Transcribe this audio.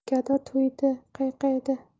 gado to'ydi qayqaydi